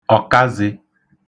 ọ̀kazị̄